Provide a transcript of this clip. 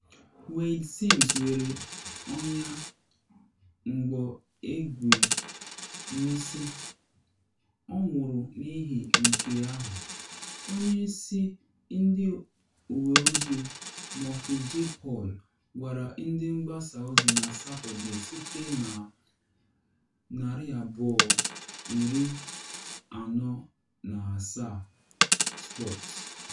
“Wayde Sims nwere ọnya mgbọ egbe n’isi, ọ nwụrụ n’ihi nke ahụ,” onye isi ndị uwe ojii Murphy J. Paul gwara ndị mgbasa ozi na Satọde, site na 247sports.